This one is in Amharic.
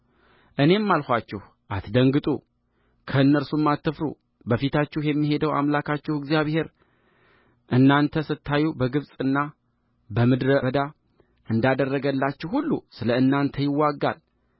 እኔም አልኋችሁ አትደንግጡ ከእነርሱም አትፍሩበፊታችሁ የሚሄደው አምላካችሁ እግዚአብሔር እናንተ ስታዩ በግብፅና በምድረ በዳ እንዳደረገላችሁ ሁሉ ስለ እናንተ ይዋጋል